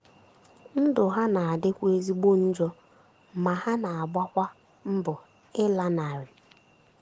Ndụ ha na-adịkwa ezigbo njọ ma ha na-agbakwa mbọ ịlanarị.